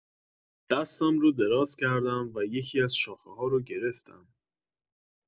دستم رو دراز کردم و یکی‌از شاخه‌ها رو گرفتم.